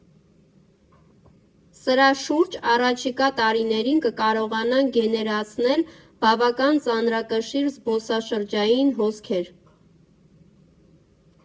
Սրա շուրջ առաջիկա տարիներին կկարողանանք գեներացնել բավական ծանրակշիռ զբոսաշրջային հոսքեր»։